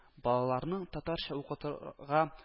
Балаларның татарча укытыр га